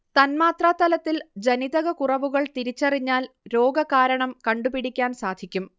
തന്മാത്രാതലത്തിൽ ജനിതക കുറവുകൾ തിരിച്ചറിഞ്ഞാൽ രോഗകാരണം കണ്ടുപിടിക്കാൻ സാധിക്കും